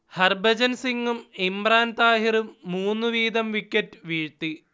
ഹർഭജൻ സിങ്ങും ഇമ്രാൻ താഹിറും മൂന്ന് വീതം വിക്കറ്റ് വീഴ്ത്തി